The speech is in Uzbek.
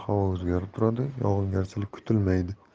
havo o'zgarib turadi yog'ingarchilik kutilmaydi